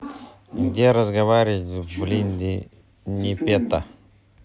где разговорить балди непета